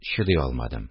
Чыдый алмадым